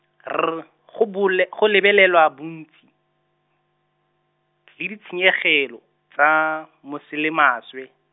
R, go bole go lebelelwa bontsi, le ditshenyegelo, tsa, mosele maswe.